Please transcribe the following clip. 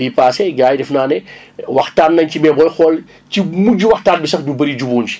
yii passé gars yi defe naa ne waxtaan nañ ci mais booy xool ci mujj waxtaan bi sax ñu bëri jubóo wuñ ci